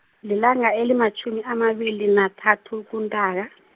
lilanga elimatjhumi amabili nathathu, kuNtaka.